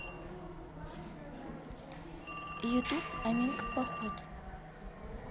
ютуб аминка поход